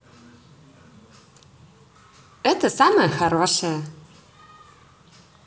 это самое хорошее